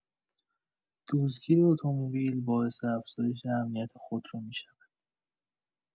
دزدگیر اتومبیل باعث افزایش امنیت خودرو می‌شود.